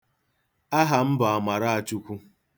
Aha m bụ Amarachukwu.